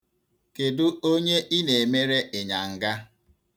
Kedụ onye i na-emere ịnyanga?